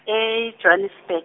e- Johannesbur-.